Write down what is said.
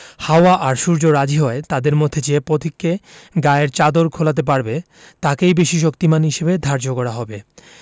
হাওয়া আর সূর্য রাজি হয় তাদের মধ্যে যে পথিকে গায়ের চাদর খোলাতে পারবে তাকেই বেশি শক্তিমান হিসেবে ধার্য করা হবে